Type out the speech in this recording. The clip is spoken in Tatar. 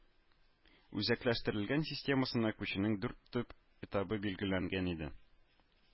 Үзәкләштерелгән системасына күчүнең дүрт төп этабы билгеләнгән иде